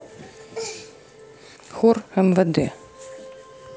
хор мвд